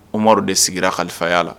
O amaduru de sigira kalifaya la